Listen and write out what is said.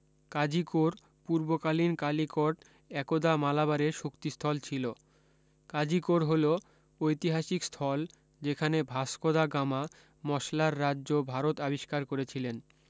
কোজিকোড় পূর্বকালীন কালিকট একদা মালাবারের শক্তিস্থল ছিল কোজিকোড় হল ঐতিহাসিক স্থল যেখানে ভাস্কো দা গামা মশলার রাজ্য ভারত আবিষ্কার করেছিলেন